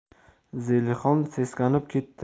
zelixon seskanib ketdi